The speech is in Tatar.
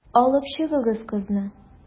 Алып чыгыгыз кызны.